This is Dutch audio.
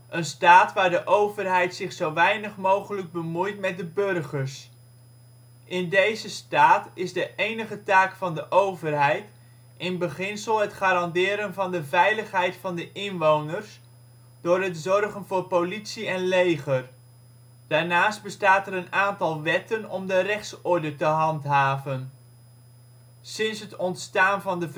een staat waar de overheid zich zo weinig mogelijk bemoeit met de burgers. In deze staat is de enige taak van de overheid in beginsel het garanderen van de veiligheid van de inwoners door het zorgen voor politie en leger. Daarnaast bestaat er een aantal wetten om de rechtsorde te handhaven. Sinds het ontstaan van de